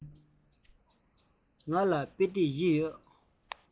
ང ལ དཔེ དེབ བཞི ཡོད